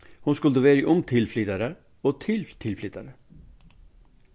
hon skuldi verið um tilflytarar og til tilflytarar